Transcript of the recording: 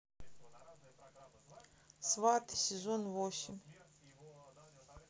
сваты сезон восемь